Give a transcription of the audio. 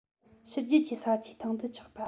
ཕྱི རྒྱལ གྱི ས ཆའི སྟེང དུ འཆག པ